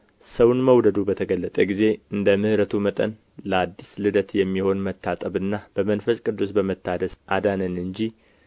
ሰውን መውደዱ በተገለጠ ጊዜ እንደ ምሕረቱ መጠን ለአዲስ ልደት በሚሆነው መታጠብና በመንፈስ ቅዱስ በመታደስ አዳነን እንጂ